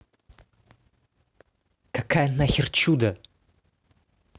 какая нахер чудо